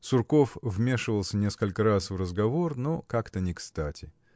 Сурков вмешивался несколько раз в разговор, но как-то некстати.